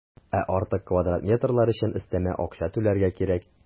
Ә артык квадрат метрлар өчен өстәмә акча түләргә кирәк.